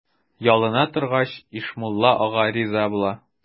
Ялына торгач, Ишмулла ага риза була.